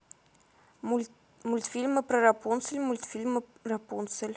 мультфильмы про рапунцель мультфильмы рапунцель